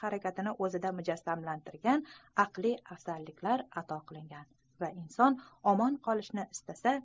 harakatini o'zida mujassamlashtirgan aqliy afzalliklar ato qilingan va inson omon qolishni istasa